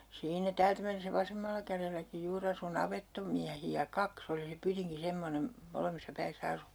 siinä täältä mennessä vasemmalla kädelläkin juuri asui navettamiehiä kaksi oli se pytinki semmoinen molemmissa päissä asunto ja